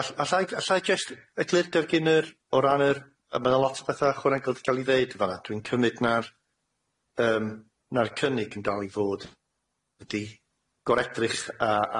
All- allai allai jyst eglurder gyn yr o ran yr yy ma' 'na lot o betha ychwanegol di ca'l 'i ddeud fan 'na dwi'n cymryd na',r yym na'r cynnig yn dal i fod ydi goredrych a